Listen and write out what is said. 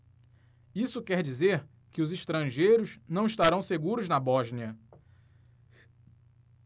isso quer dizer que os estrangeiros não estarão seguros na bósnia